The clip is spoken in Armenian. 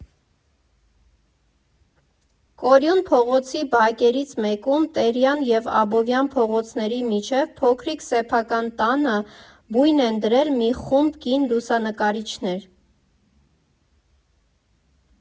Կորյուն փողոցի բակերից մեկում՝ Տերյան և Աբովյան փողոցների միջև, փոքրիկ սեփական տանը բույն են դրել մի խումբ կին լուսանկարիչներ։